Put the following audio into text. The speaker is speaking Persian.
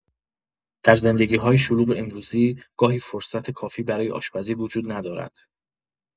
در زندگی‌های شلوغ امروزی گاهی فرصت کافی برای آشپزی وجود ندارد.